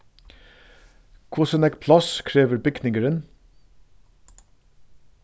hvussu nógv pláss krevur bygningurin